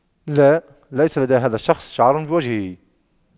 لا ليس لدي هذا الشخص شعر بوجهه